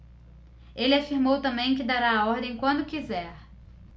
ele afirmou também que dará a ordem quando quiser